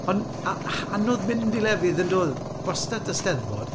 Ond a- h- anodd mynd i lefydd yn doedd, wastad y 'Steddfod.